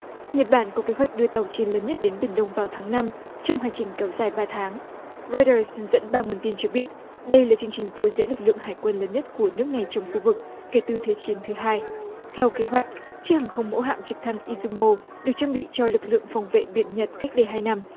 nhật bản có kế hoạch đưa tàu chiến lớn nhất đến biển đông vào tháng năm trong hành trình kéo dài vài tháng roi đờ dẫn ba nguồn tin cho biết đây là chương trình phô diễn lực lượng hải quân lớn nhất của nước này trong khu vực kể từ thế chiến thứ hai theo kế hoạch chiếc hàng không mẫu hạm trực thăng i du mô được trang bị cho lực lượng phòng vệ biển nhật cách đây hai năm